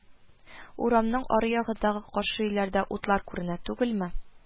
Урамның ары ягындагы каршы өйләрдә утлар күренә түгелме